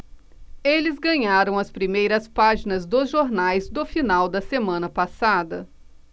eles ganharam as primeiras páginas dos jornais do final da semana passada